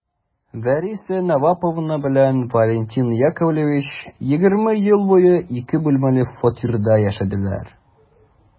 Вәриса Наваповна белән Валентин Яковлевич егерме ел буе ике бүлмәле фатирда яшәделәр.